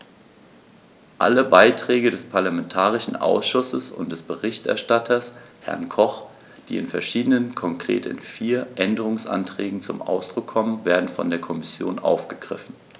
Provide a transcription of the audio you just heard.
Alle Beiträge des parlamentarischen Ausschusses und des Berichterstatters, Herrn Koch, die in verschiedenen, konkret in vier, Änderungsanträgen zum Ausdruck kommen, werden von der Kommission aufgegriffen.